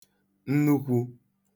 nnukwū